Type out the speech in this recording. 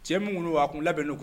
Cɛ minnu tun don, a tun labɛnnen don